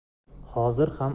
hozir xam asror uning